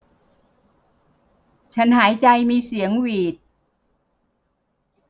ฉันหายใจมีเสียงหวีด